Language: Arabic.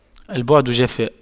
البعد جفاء